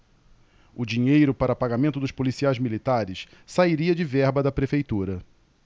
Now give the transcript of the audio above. o dinheiro para pagamento dos policiais militares sairia de verba da prefeitura